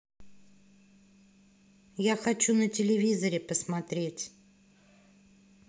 я хочу на телевизоре посмотреть